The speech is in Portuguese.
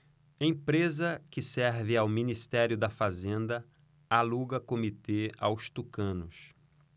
empresa que serve ao ministério da fazenda aluga comitê aos tucanos